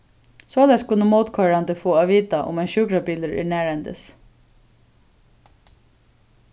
soleiðis kunnu mótkoyrandi fáa at vita um ein sjúkrabilur er nærhendis